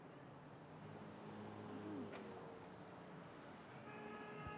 когда начнется потепление